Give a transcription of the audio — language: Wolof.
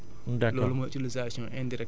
mu andil la ay ferñeent ci sa biir tool